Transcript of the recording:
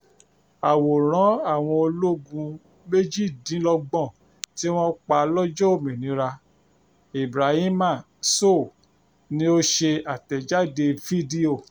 Àwòrán àwọn Ológun 28 tí wọ́n pa lọ́jọ́ òmìnira – Ibrahima Sow ni ó ṣe àtẹ̀jáde fídíò.